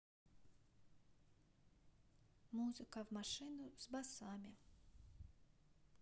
музыка в машину с басами